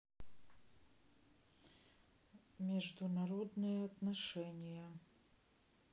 международные отношения